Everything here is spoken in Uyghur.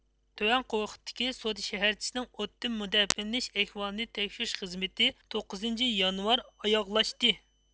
تۆۋەن قوۋۇقتىكى سودا شەھەرچىسىنىڭ ئوتتىن مۇداپىئەلىنىش ئەھۋالىنى تەكشۈرۈش خىزمىتى توققۇزىنچى يانۋار ئاياغلاشتى